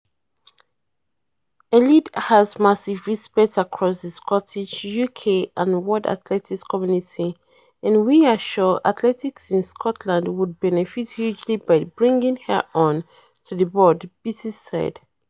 "Eilidh has massive respect across the Scottish, UK and world athletics community and we are sure athletics in Scotland would benefit hugely by bringing her on to the board," Beattie said.